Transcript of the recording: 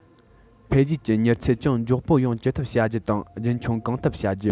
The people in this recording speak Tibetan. འཕེལ རྒྱས ཀྱི མྱུར ཚད ཅུང མགྱོགས པོ ཡོང ཅི ཐུབ བྱ རྒྱུ དང རྒྱུན འཁྱོངས གང ཐུབ བྱ རྒྱུ